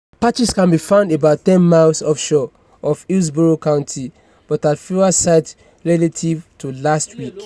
Patches can be found about 10 miles offshore of Hillsborough County, but at fewer sites relative to last week.